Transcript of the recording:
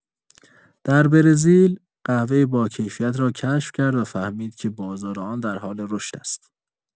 در برزیل، قهوۀ باکیفیت را کشف کرد و فهمید که بازار آن در حال رشد است.